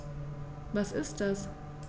Was ist das?